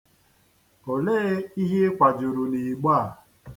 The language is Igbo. Olee ihe i kwajuru n'igbe a?